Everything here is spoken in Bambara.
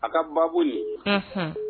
A ka baabu in, unhun.